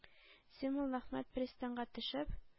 Син, Муллаәхмәт, пристаньга төшеп,